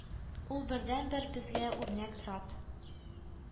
Ул бердәнбер безгә үрнәк зат